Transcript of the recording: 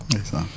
ndeysaan